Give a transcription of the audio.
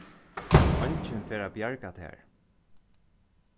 eingin fer at bjarga tær